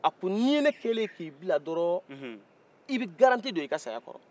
a ko nin ye ne k'i leye k'i bila dɔrɔn i bɛ garantie don i ka saya kɔrɔ